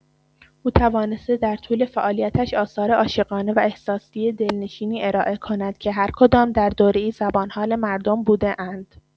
او توانسته در طول فعالیتش آثار عاشقانه و احساسی دلنشینی ارائه کند که هرکدام در دوره‌ای زبان حال مردم بوده‌اند.